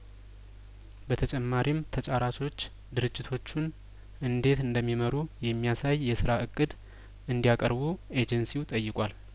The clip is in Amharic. በተጨማሪም ተጫራቾች ድርጅቶቹን እንዴት እንደሚመሩ የሚያሳይ የስራ እቅድ እንዲ ያቀርቡ ኤጀንሲው ጠይቋል